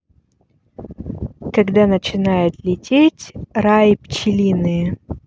когда начинает лететь rai пчелиные